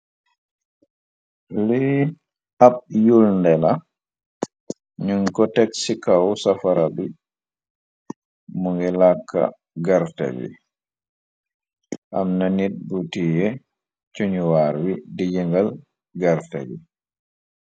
Lii ab yulnde la, ñuñ ko teg ci kaw safara bi, mu ngi làkka garte bi, am na nit bu tiiye cuñuwaar wi di yëngal garté bi.